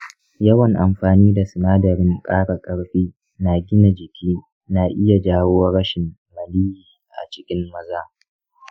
yawan amfani da sinadaran ƙara ƙarfi na gina jiki na iya jawo rashin maniyyi a cikin maza.